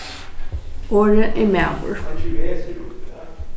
orðið er maður